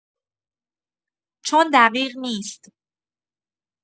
چون دقیق نیست.